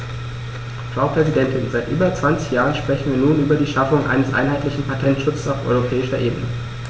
Frau Präsidentin, seit über 20 Jahren sprechen wir nun über die Schaffung eines einheitlichen Patentschutzes auf europäischer Ebene.